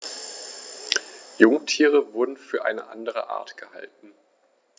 Jungtiere wurden für eine andere Art gehalten.